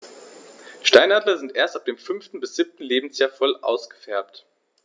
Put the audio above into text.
Steinadler sind erst ab dem 5. bis 7. Lebensjahr voll ausgefärbt.